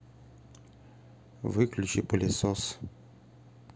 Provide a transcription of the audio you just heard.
выключи пылесос